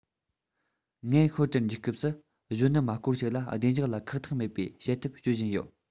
མངལ ཤོར དུ འཇུག སྐབས སུ གཞོན ནུ མ སྐོར ཞིག ལ བདེ འཇགས ལ ཁག ཐེག མེད པའི བྱེད ཐབས སྤྱོད བཞིན ཡོད